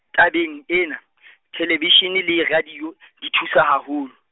tabeng ena , thelebishine le radio , di thusa haholo.